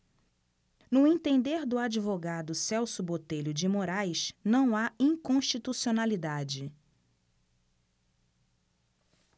no entender do advogado celso botelho de moraes não há inconstitucionalidade